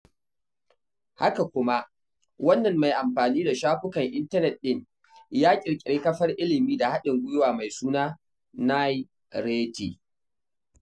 Haka kuma, wannan mai amfani da shafukan intanet ɗin ya ƙirƙiri kafar ilimi da haɗin gwiwa mai suna 9rayti.